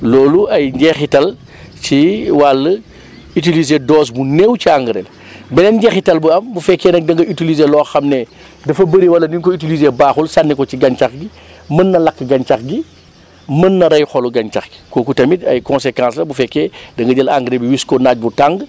loolu ay jeexital ci wàll utiliser dose bu néew ci engrais la beneen jeexital bu am bu fekkee nag da nga utiliser loo xam ne dafa bëri wala ni nga koy utilisé baaxul sànni ko ci gàncax gi mën na lakk gàncax gi mën na rey xolu gàncax kooku tamit ay cons"quences la bu fekkee da nga jëlengrais bi wis ko naaj bu tàng